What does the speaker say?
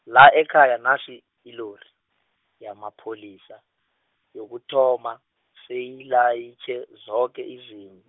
la ekhaya nasi, ilori, yamapholisa, yokuthoma, seyilayitjhe zoke izimv-.